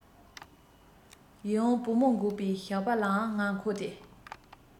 ཡིད འོང བུ མོ འགུགས པའི ཞགས པ ལའང ང མཁོ སྟེ